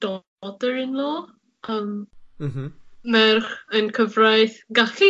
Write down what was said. daughter in law, yym.... Mhm. ...merch yn cyfraith gallu